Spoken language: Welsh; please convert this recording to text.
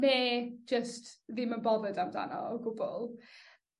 ne' jyst ddim yn bothered amdano o gwbwl.